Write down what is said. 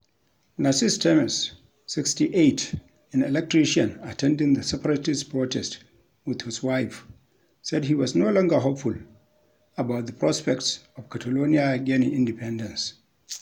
Narcis Termes, 68, an electrician attending the separatist protest with his wife said he was no longer hopeful about the prospects of Catalonia gaining independence.